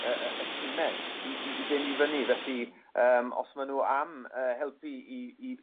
yy yy y time i i i fynd i fyny felly yym os ma' n'w am yy helpu 'u 'u